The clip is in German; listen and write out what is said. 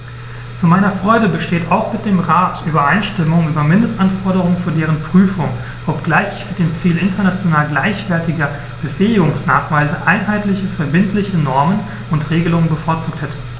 Zu meiner Freude besteht auch mit dem Rat Übereinstimmung über Mindestanforderungen für deren Prüfung, obgleich ich mit dem Ziel international gleichwertiger Befähigungsnachweise einheitliche verbindliche Normen und Regelungen bevorzugt hätte.